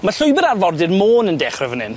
Ma' llwybyr arfordir Môn yn dechre fan 'yn.